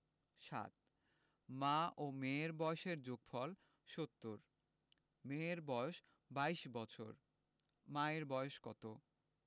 ৭ মা ও মেয়ের বয়সের যোগফল ৭০ মেয়ের বয়স ২২ বছর মায়ের বয়স কত